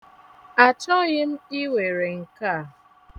Achọghị m iwere nke a.